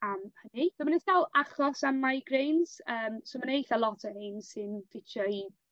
am hynny. So ma' 'na sawl achos am migraines yym so ma' 'na eitha lot o rhein sy'n ffitio i